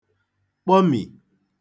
kpọmì